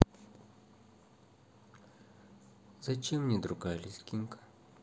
зачем мне другая лезгинка